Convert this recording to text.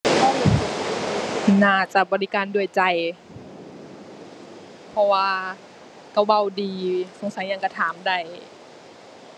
น่าจะบริการด้วยใจ เพราะว่าก็เว้าดี สงสัยหยังก็ถามได้